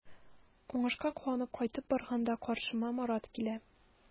Уңышка куанып кайтып барганда каршыма Марат килә.